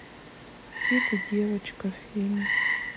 кит и девочка фильм